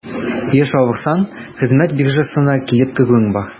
Еш авырсаң, хезмәт биржасына килеп керүең бар.